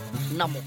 Naamu